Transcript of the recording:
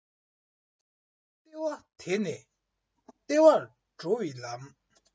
ལྟེ བ དེ ནས ལྟེ བར འགྲོ བའི ལམ